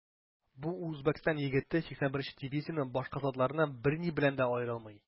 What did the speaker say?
Бу Үзбәкстан егете 81 нче дивизиянең башка солдатларыннан берни белән дә аерылмый.